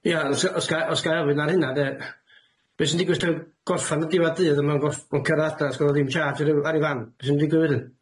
Ia os os ga- os ga'i ofyn ar hynna de, be' sy'n digwydd tan gorffan y diwedd dydd a ma'n gorff- ma'n cyrraedd adra a sgynno fo ddim siâp ar ei fan, be' sy'n digwydd wedyn?